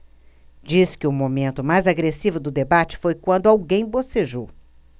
diz que o momento mais agressivo do debate foi quando alguém bocejou